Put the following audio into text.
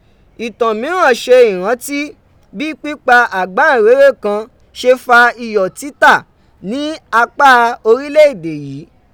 Ìtàn mìíràn ṣe ìrántí bí pípa àgbànrere kan ṣe fa iyọ̀ títà ní apá orílẹ̀ èdè yìí.